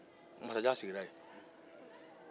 masajan sigira yen